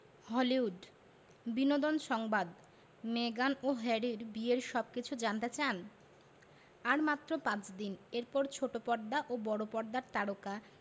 Hollywood বিনোদন সংবাদ মেগান ও হ্যারির বিয়ের সবকিছু জানতে চান আর মাত্র পাঁচ দিন এরপর ছোট পর্দা ও বড় পর্দার তারকা